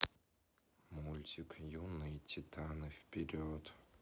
мультик юные титаны вперед